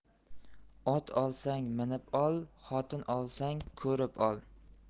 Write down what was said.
ot olsang minib ol xotin olsang ko'rib ol